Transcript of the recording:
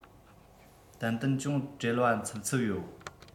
ཏན ཏན ཅུང བྲེལ བ འཚུབ འཚུབ ཡོད